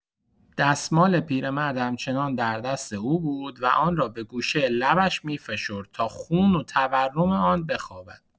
دستمال پیرمرد همچنان در دست او بود و آن را به گوشه لبش می‌فشرد تا خون و تورم آن بخوابد.